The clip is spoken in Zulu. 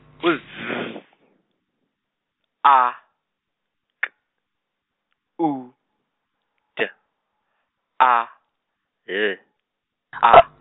Z, A, K, U, D, A, L, A.